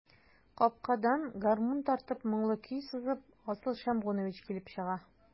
Капкадан, гармунын тартып, моңлы көй сызып, Асыл Шәмгунович килеп чыга.